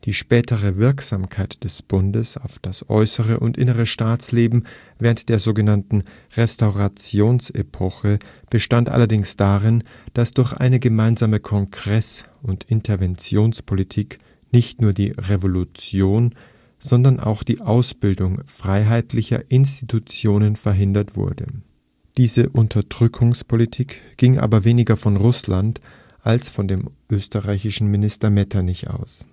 spätere Wirksamkeit des Bundes auf das äußere und innere Staatsleben während der sogenannten Restaurationsepoche bestand allerdings darin, dass durch eine gemeinsame Kongress - und Interventionspolitik nicht nur die Revolution, sondern auch die Ausbildung freiheitlicher Institutionen verhindert wurde. Diese Unterdrückungspolitik ging aber weniger von Russland als von dem österreichischen Minister Metternich aus